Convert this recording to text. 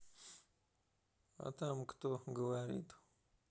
а там кто то говорит